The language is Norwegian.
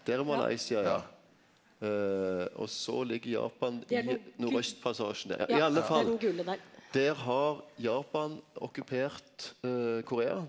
der er Malaysia ja og så ligg Japan i nordaustpassasjen i alle fall der har Japan okkupert Korea.